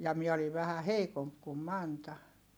ja minä olin vähän heikompi kuin Manta